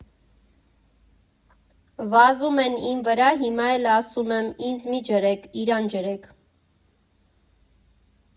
Վազում են իմ վրա, հիմա էլ ասում եմ՝ «Ինձ մի ջրեք, իրան ջրեք»։